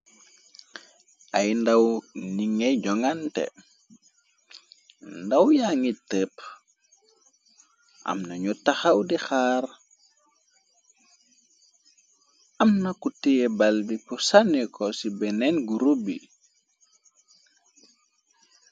ay ndaw ni ngay jonante ndaw yaa ngi tépp amnañu taxaw di xaar amnaku tée bal bi ku saneko ci beneen gurup bi.